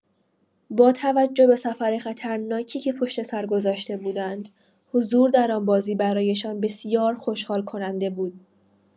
با توجه به سفر خطرناکی که پشت‌سر گذاشته بودند، حضور در آن بازی برایشان بسیار خوشحال‌کننده بود.